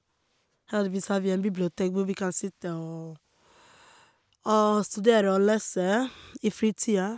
Heldigvis har vi en bibliotek hvor vi kan sitte og og studere og lese i fritida.